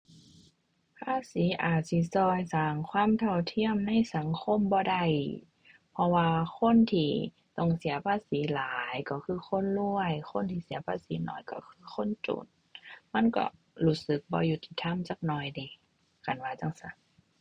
ภาษีอาจสิช่วยสร้างความเท่าเทียมในสังคมบ่ได้ เพราะว่าคนที่ต้องเสียภาษีหลายก็คือคนรวย คนที่เสียภาษีน้อยก็คือคนจน มันก็รู้สึกบ่ยุติธรรมจักหน่อยเดะ คันว่าจั่งซั้น